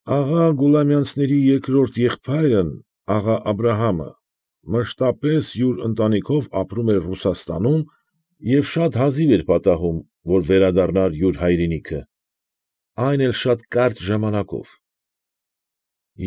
Աղա Գուլամյանցների երկրորդ եղբայրն ֊ աղա Աբրահամը, մշտապես յուր ընտանիքով ապրում էր Ռուսաստանում և շատ հազիվ էր պատահում, որ վերադառնար յուր հայրենիքը, այն էլ շատ կարճ ժամանակով։